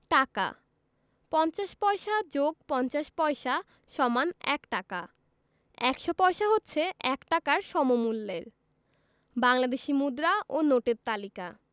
টাকাঃ ৫০ পয়সা + ৫০ পয়স = ১ টাকা ১০০ পয়সা হচ্ছে ১ টাকার সমমূল্যের বাংলাদেশি মুদ্রা ও নোটের তালিকাঃ